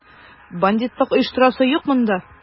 Бандитлык оештырасы юк монда!